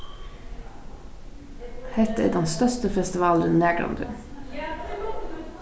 hetta er tann størsti festivalurin nakrantíð